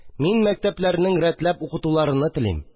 Мин мәктәпләрнең рәтләп укытуларыны телим